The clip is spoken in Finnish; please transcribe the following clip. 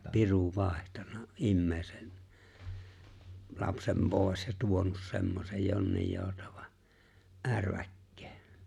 piru vaihtanut ihmisen lapsen pois ja tuonut semmoisen jonnin joutavan ärväkkeen